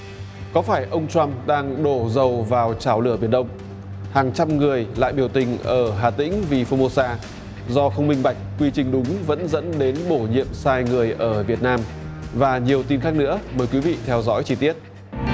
có phải ông troăm đang đổ dầu vào chảo lửa biển đông hàng trăm người lại biểu tình ở hà tĩnh vì phô mô sa do không minh bạch quy trình đúng vẫn dẫn đến bổ nhiệm sai người ở việt nam và nhiều tin khác nữa mời quý vị theo dõi chi tiết